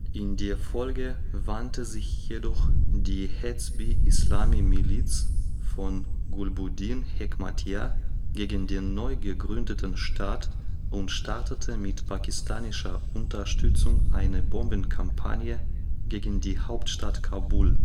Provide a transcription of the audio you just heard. In der Folge wandte sich jedoch die Hezb-i Islami Miliz von Gulbuddin Hekmatyar gegen den neu gegründeten Staat und startete mit pakistanischer Unterstützung eine Bombenkampagne gegen die Hauptstadt Kabul